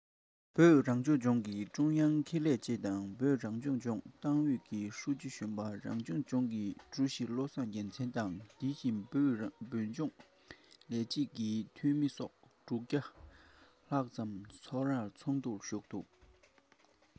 ཁོ ནི ངའི གྲོགས པོ ཡིན